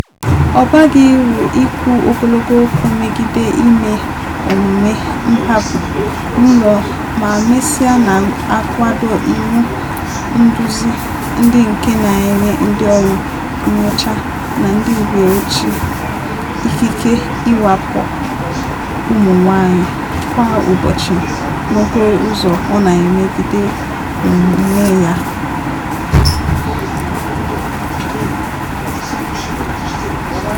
Ọ baghị uru ikwu ogologo okwu megide ime omume mkpagbu n'ụlọ ma mesịa na-akwado iwu nduzi ndị nke na-enye ndị ọrụ nnyocha na ndị uwe ojii ikike ịwakpo ụmụ nwaanyị kwa ụbọchị n'okporo ụzọ, ọ na-emegide onwe ya!